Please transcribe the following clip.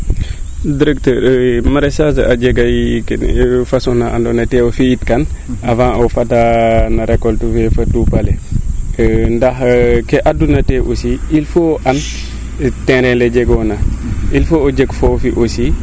directeur maraichage a jega facon naa ando naye te o fi'it kan avant o fada no recolte fee fo a tuupale ndax kee andu na teen aussi il faut an terrain le jegoona il faut o jeg foofi aussi